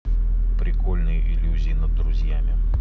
прикольные иллюзии над друзьями